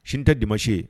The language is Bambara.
Sini tɛ dimanche ye